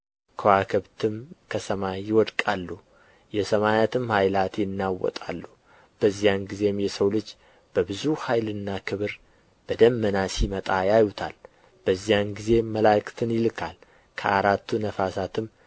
ከዋክብትም ከሰማይ ይወድቃሉ የሰማያትም ኃይላት ይናወጣሉ በዚያን ጊዜም የሰው ልጅ በብዙ ኃይልና ክብር በደመና ሲመጣ ያዩታል በዚያን ጊዜም መላእክትን ይልካል ከአራቱ ነፋሳትም